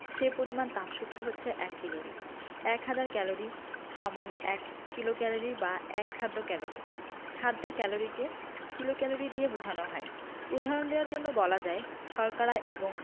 সে পরিমাণ তাপশক্তি হচ্ছে এক ক্যালরি এক হাজার ক্যালরি সমান এক কিলোক্যালরি বা এক খাদ্য ক্যালরি খাদ্যের ক্যালরিকে কিলোক্যালরি দিয়ে বোঝানো হয় উদাহরণ দেয়ার জন্যে বলা যায় শর্করা এবং